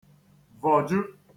vọ̀ju